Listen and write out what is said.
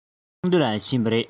ཚོགས འདུ ལ ཕྱིན པ རེད